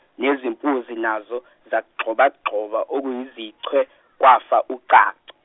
nezimpunzi nazo zagxobagxoba okuyizichwe kwafa uaca.